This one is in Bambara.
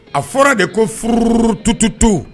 A fɔra de ko ftututu